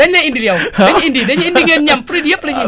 dañu lay indil yow dañuy indi dañuy indi ngeen ñam produit yépp la ñuy indi